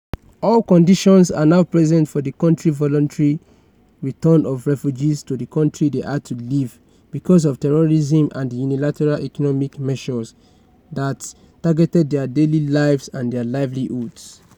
All conditions are now present for the voluntary return of refugees to the country they had to leave because of terrorism and the unilateral economic measures that targeted their daily lives and their livelihoods.